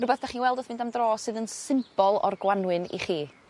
rwbath 'dach chi'n weld wrth fynd am dro sydd yn symbol o'r Gwanwyn i chi.